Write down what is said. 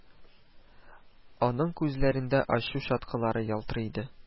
Аның күзләрендә ачу чаткылары ялтырый иде